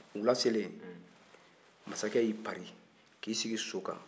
wula selen masakɛ y'i pari k'i sigi so kan